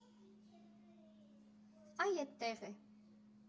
Այ էդտեղ է.